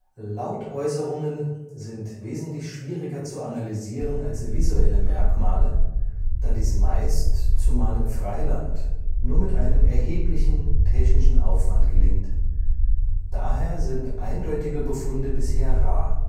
Lautäußerungen sind wesentlich schwieriger zu analysieren als visuelle Merkmale, da dies meist – zumal im Freiland – nur mit einem erheblichen technischen Aufwand gelingt. Daher sind eindeutige Befunde bisher rar